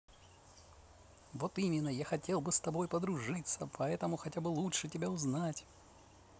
вот именно я хотел бы с тобой подружиться поэтому хотя бы лучше тебя узнать